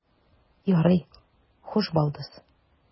Ярый, хуш, балдыз.